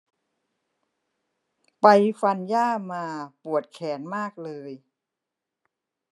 ไปฟันหญ้ามาปวดแขนมากเลย